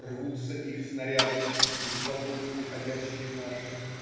Рвутся их снаряды, и клокочут уходящие наши.